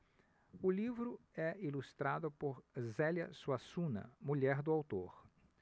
o livro é ilustrado por zélia suassuna mulher do autor